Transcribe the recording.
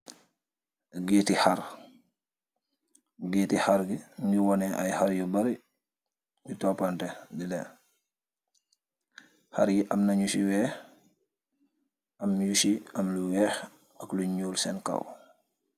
geeti xarr géeti xarr bi nu wone ay xar yu bare u toppante di dem xar yi am na ñyuci weex am nyuci am lu weex ak luñuul seen kaw